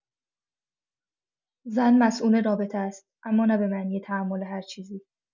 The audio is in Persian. زن مسئول رابطه‌ست، اما نه به معنی تحمل هرچیزی.